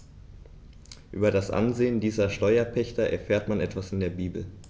Über das Ansehen dieser Steuerpächter erfährt man etwa in der Bibel.